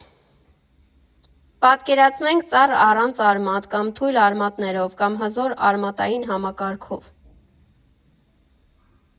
Պատկերացնենք ծառ առանց արմատ, կամ թույլ արմատներով, կամ հզոր արմատային համակարգով.